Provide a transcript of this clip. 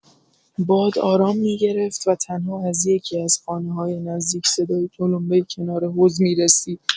باد آرام می‌گرفت و تنها از یکی‌از خانه‌های نزدیک صدای تلمبه کنار حوض می‌رسید.